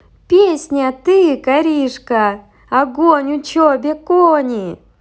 песня ты каришка огонь учебе кони